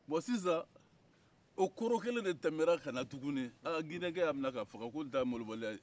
bon sisan o kooro kelen de tɛmɛra ka na tugunni aa gineyenkɛ y'a minɛ k'a faga ko ta ye malobaliya ye